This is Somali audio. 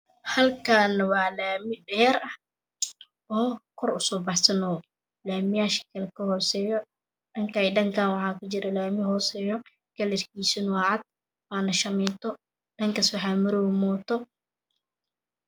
Halkane wa lami dherah oo kor usobaxsan Lamiyasha kale kahoseyo dhankan iyo dhankan waxa kajiro lami hoseyo kalarkisu wacadwana shamito dhankas waxa maroyo Moto